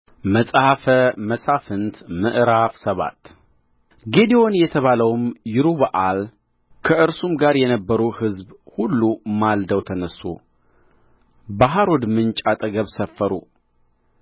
መጽሐፈ መሣፍንት ምዕራፍ ሰባት ጌዴዎን የተባለውም ይሩበኣል ከእርሱም ጋር የነበሩ ሕዝብ ሁሉ ማልደው ተነሡ በሐሮድ ምንጭ አጠገብም ሰፈሩ የምድያምም ሰፈር ከእነርሱ ወደ ሰሜን በኩል በሞሬ ኮረብታ አጠገብ በሸለቆው ውስጥ ነበረ